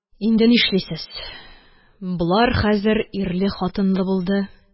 Инде нишлисез, болар хәзер ирле-хатынлы булды